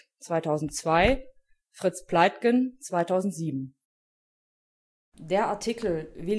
2002) Fritz Pleitgen (2007